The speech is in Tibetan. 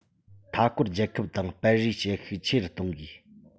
མཐའ སྐོར རྒྱལ ཁབ དང སྤེལ རེས བྱེད ཤུགས ཆེ རུ གཏོང དགོས